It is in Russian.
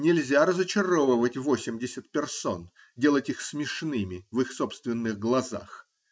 Нельзя разочаровывать восемьдесят персон, делать их смешными в их собственных глазах.